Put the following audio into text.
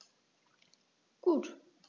Gut.